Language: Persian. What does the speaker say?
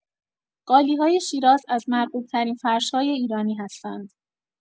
قالی‌های شیراز از مرغوب‌ترین فرش‌های ایرانی هستند.